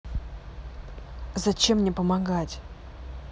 зачем мне помогать